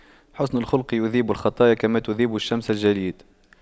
حُسْنُ الخلق يذيب الخطايا كما تذيب الشمس الجليد